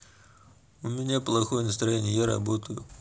у меня плохое настроение я работаю